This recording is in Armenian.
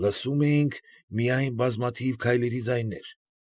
Լսում էինք միայն բազմաթիվ քայլերի ձայներ։